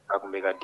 A kunbɛ ka di